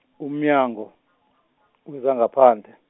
umNyango weZangaphandle.